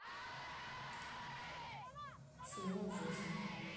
семья джесси